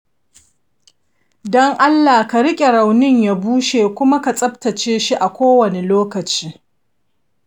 don allah ka riƙe raunin ya bushe kuma ka tsabtace shi a kowane lokaci.